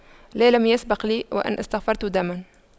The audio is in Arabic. لا لم يسبق لي وان استغفرت دما